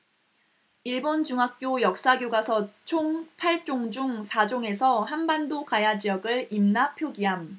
일본 중학교 역사교과서 총 팔 종 중 사 종에서 한반도 가야지역을 임나 표기함